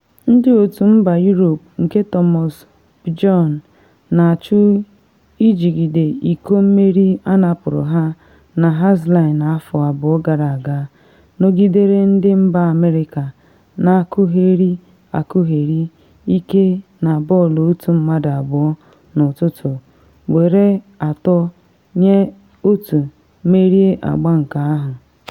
Ndị otu mba Europe nke Thomas Bjorn, na-achụ ijigide iko mmeri anapụrụ ha na Hazeline afọ abụọ gara aga, nọgidere ndị mba America na-akụgheri akụgheri ike na bọọlụ otu mmadụ abụọ n’ụtụtụ, were 3-1 merie agba nke ahụ.